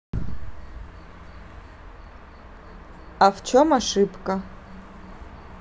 а в чем ошибка